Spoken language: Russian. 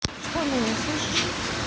ты что меня не слышишь